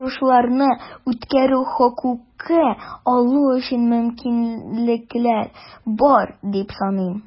Бу ярышларны үткәрү хокукы алу өчен мөмкинлекләр бар, дип саныйм.